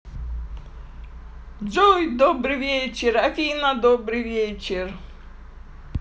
джой добрый вечер афина добрый вечер